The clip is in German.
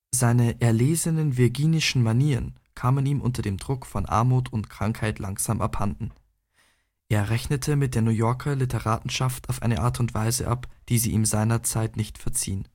Seine erlesenen virginischen Manieren (Walter Lennig) kamen ihm unter dem Druck von Armut und Krankheit langsam abhanden. Er rechnete mit den New Yorker Literaten auf eine Art und Weise ab, die sie ihm seiner Zeit nicht verziehen